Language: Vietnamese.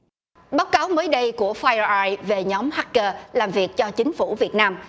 báo cáo mới đây của phai rơ ai về nhóm hách cơ làm việc cho chính phủ việt nam